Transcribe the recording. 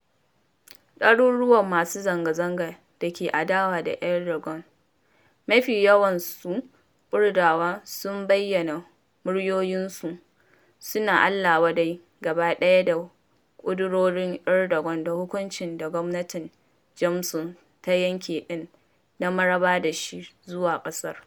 Ɗaruruwan masu zanga-zanga da ke adawa da Erdogan - mafi yawansu Kurɗawa - sun bayyana muryoyinsu, suna Allah-wa-dai gaba ɗaya da ƙudurorin Erdogan da hukuncin da gwamnatin Jamus ta yanke ɗin na maraba da shi zuwa ƙasar.